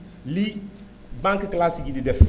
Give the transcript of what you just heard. li banque classique yi di def